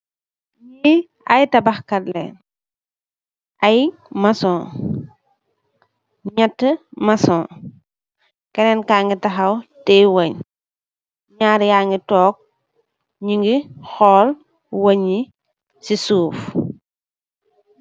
Nyi ay tabaxkatleen ay mason neeti mason keneen ka ngi taxaw teye wung naar yaa ngi took nugi xool wung yi ci suuf.